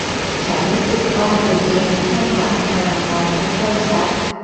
ฉันรู้สึกว่าตัวเองช่วงหลังมามองไม่ค่อยชัด